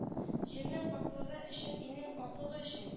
Җирнең пакьлеге өчен илнең аклыгы өчен